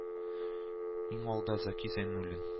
Иң алда Зәки Зәйнуллин